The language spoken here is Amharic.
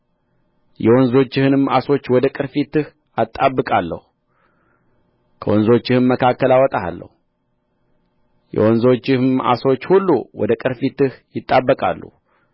ከወንዞችህም መካከል አወጣሃለሁ የወንዞችህም ዓሦች ሁሉ ወደ ቅርፊትህ ይጣበቃሉ